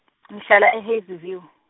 ngihlala e- Hazyview.